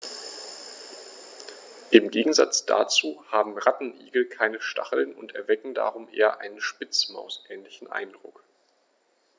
Im Gegensatz dazu haben Rattenigel keine Stacheln und erwecken darum einen eher Spitzmaus-ähnlichen Eindruck.